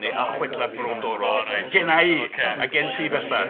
Neu Y Chwedlau Brodorol... O reit... Genna i, a gen ti bellach.